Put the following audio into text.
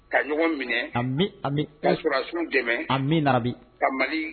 Ka ɲɔgɔn minɛ ka soldats dɛmɛ ka mali